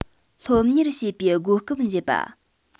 སློབ གཉེར བྱེད པའི སྒོ སྐབས འབྱེད པ